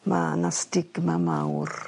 Ma' na stigma mawr